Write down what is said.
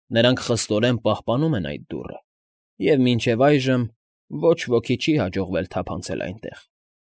Նրանք խստորեն պահպանում են այդ դուռը, և մինչև այժմ ոչ ոքի չի հաջողվել թափանցել այնտեղ։